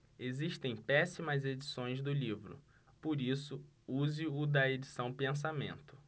existem péssimas edições do livro por isso use o da edição pensamento